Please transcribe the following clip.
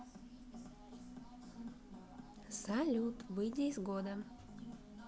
салют выйди из года